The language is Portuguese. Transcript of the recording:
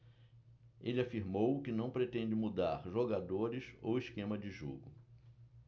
ele afirmou que não pretende mudar jogadores ou esquema de jogo